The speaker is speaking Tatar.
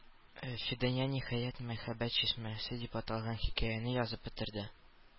Фидания, ниһаять, "Мәхәббәт чишмәсе" дип аталган хикәяне язып бетерде.